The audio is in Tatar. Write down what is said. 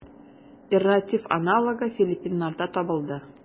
Эрратив аналогы филиппиннарда табылды.